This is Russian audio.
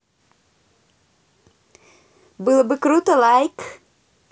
было бы круто лайк